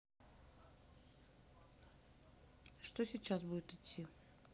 что сейчас будет идти